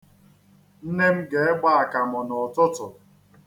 Nne m ga-egbe akamụ n'ụtụtụ.